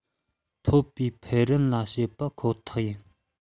ཐོབ པའི འཕེལ རིམ ལ བྱས པ ཁོ ཐག ཡིན